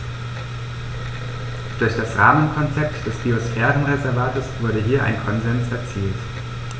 Durch das Rahmenkonzept des Biosphärenreservates wurde hier ein Konsens erzielt.